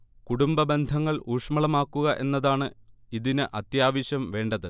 കുടുംബബന്ധങ്ങൾ ഊഷ്മളമാക്കുക എന്നതാണ് ഇതിന് അത്യാവശം വേണ്ടത്